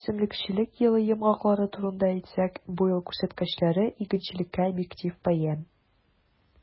Үсемлекчелек елы йомгаклары турында әйтсәк, бу ел күрсәткечләре - игенчелеккә объектив бәя.